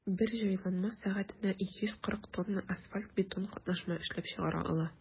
Бер җайланма сәгатенә 240 тонна асфальт–бетон катнашма эшләп чыгара ала.